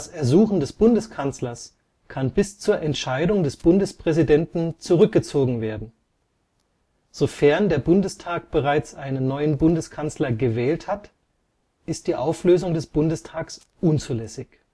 Ersuchen des Bundeskanzlers kann bis zur Entscheidung des Bundespräsidenten zurückgezogen werden. Sofern der Bundestag bereits einen neuen Bundeskanzler gewählt hat, ist die Auflösung des Bundestags unzulässig